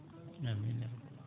amine ya rabal alalmina